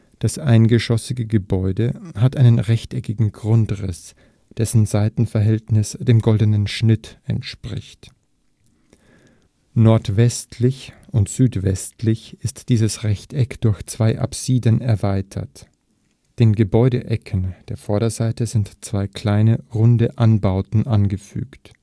Das eingeschossige Gebäude hat einen rechteckigen Grundriss, dessen Seitenverhältnis dem Goldenen Schnitt entspricht. Nordwestlich und südwestlich ist dieses Rechteck durch zwei Apsiden erweitert, den Gebäudeecken der Vorderseite sind zwei kleine, runde Anbauten angefügt